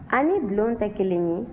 a ni bulon tɛ kelen ye